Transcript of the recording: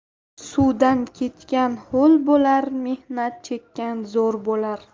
suvdan kechgan ho'l bo'lar mehnat chekkan zo'r bo'lar